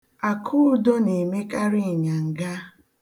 Akụudo na-emekarị ịnyanga.